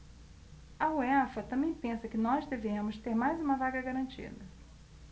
a uefa também pensa que nós devemos ter mais uma vaga garantida